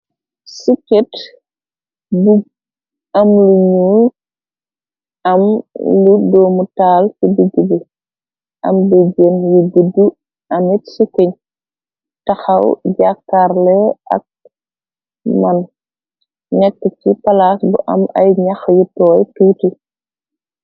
Siket bu am lu ñuul am lu doomu taal te bidd bi am bi jenn yu budd amit sikiñ taxaw jakkarle ak man nekk ci palaas bu am ay ñax yi tooy tuuti.